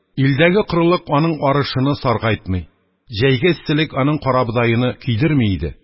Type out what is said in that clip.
Илдәге корылык аның арышыны саргайтмый, җәйге эсселек аның карабогдаены көйдерми иде.